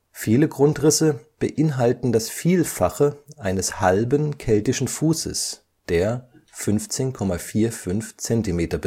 Viele Grundrisse beinhalten das Vielfache eines halben keltischen Fußes (15,45 cm